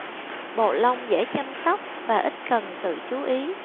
bộ lông dễ chăm sóc và ít cần sự chú ý